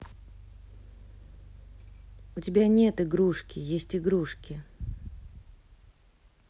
у тебя нет игрушки есть игрушки